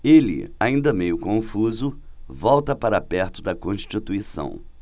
ele ainda meio confuso volta para perto de constituição